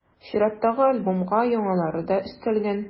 Чираттагы альбомга яңалары да өстәлгән.